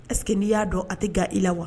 Parceseke n'i y'a dɔn a tɛ g i la wa